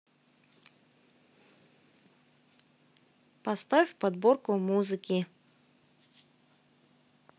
поставь подборку музыки